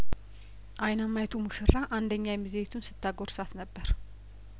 አይናማዪቱ ሙሽራ አንደኛ ሚዜዪቱን ስታጐርሳት ነበር